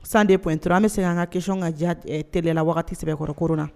102.3 an bɛ segin k'an ka question lajɛ teliya la waati sɛbɛkɔrɔ kooron na.